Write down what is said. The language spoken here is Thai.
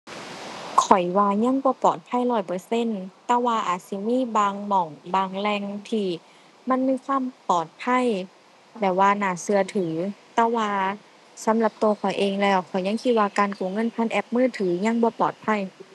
ข้อยว่ายังบ่ปลอดภัยร้อยเปอร์เซ็นต์ แต่ว่าอาจสิมีบางหม้องบางแหล่งที่ มันมีความปลอดภัย แบบว่าน่าเชื่อถือ แต่ว่าสำหรับเชื่อข้อยเองแล้ว ข้อยยังคิดว่าการกู้เงินผ่านแอพมือถือยังบ่ปลอดภัย